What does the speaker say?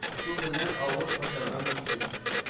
Су белән авыз ачарга мөмкин